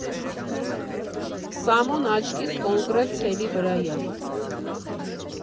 Սամոն աչքիս կոնկրետ ցելի վրայա։